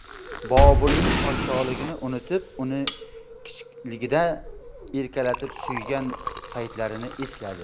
boburning podshohligini unutib uni kichikligida erkalatib suygan paytlarini esladi